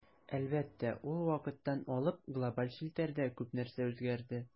Әлбәттә, ул вакыттан алып глобаль челтәрдә күп нәрсә үзгәрде.